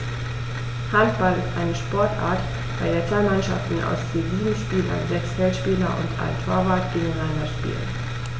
Handball ist eine Sportart, bei der zwei Mannschaften aus je sieben Spielern (sechs Feldspieler und ein Torwart) gegeneinander spielen.